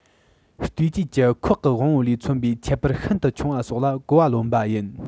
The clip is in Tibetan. བལྟོས བཅས ཀྱི ཁོག གི དབང བོ ལས མཚོན པའི ཁྱད པར ཤིན ཏུ ཆུང བ སོགས ལ གོ བ ལོན པ ཡིན